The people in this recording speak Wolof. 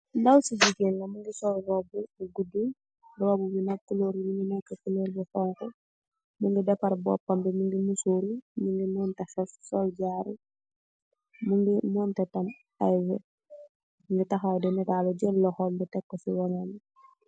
Ndaw su jegain la muge sol robou bu goudu, robou bi nak coloor bi muge neka coloor bu hauha muge defarr bopambi mugi musuru muge monte heff sol jaaru muge monte tam aye weeh muge tahaw de natalu jel lohom bi tek ku se wagam bi.